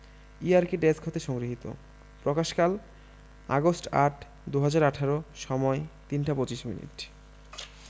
ই আরকি ডেস্ক হতে সংগৃহীতপ্রকাশকালঃ আগস্ট ৮ ২০১৮ সময়ঃ ৩টা ২৫ মিনিট